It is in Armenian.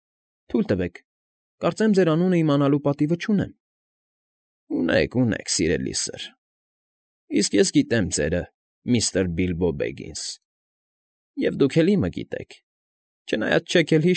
Թույլ տվեք… կարծեմ ձեր անունն իմանալու պատիվը չունեմ… ֊ Ունեք, ունեք, սիրելի սըր, իսկ ես գտիեմ ձերը, միստր Բիլբո Բեգինս, և դուք էլ իմը գիտեք, չնայած չեք էլ։